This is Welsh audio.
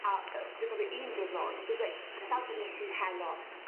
a yy fi' cofio un diwrnod reit ma' llawdrinieth ti heno